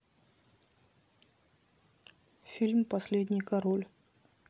фильм последний король